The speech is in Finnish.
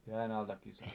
jään altakin saa